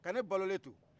ka ne balolen to